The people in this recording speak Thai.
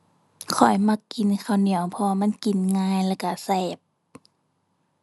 ข้อยมักกินข้าวเหนียว เพราะว่ามันกินง่ายแล้วก็แซ่บ